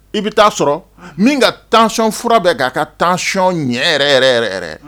I bɛ taa sɔrɔ min ka tancɔn fura bɛɛ'a ka tancɔn ɲɛ yɛrɛ yɛrɛ yɛrɛ yɛrɛ